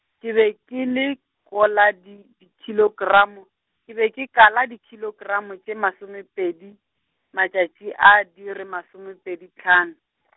ke be ke le ko la di dikilogramo, ke be ke kala dikilogramo tše masomepedi, matšatši a di re masomepedi hlano .